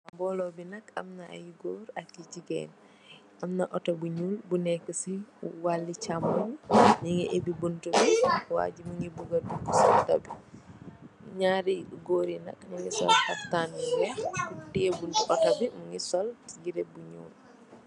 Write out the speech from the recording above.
Bolo bi nak am na ay goor ak ay jigéen am na auto bu nyul bu neka ci wallou cham moing nu ngi ubbi bonta bi waji mu ngi buga dogs ci moto bi nyarri gorr yi nak nungi sol kaftan bu weex ku teye bunti auto bi mungi sol yere bu ñyuul.